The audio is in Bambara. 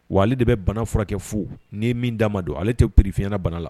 Wa ale de bɛ bana furakɛ fu ; n'i ye min d'a ma don, ale tɛ prix f'i ma bana la.